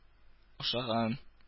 Ашаган